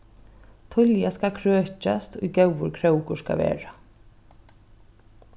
tíðliga skal krøkjast ið góður krókur skal verða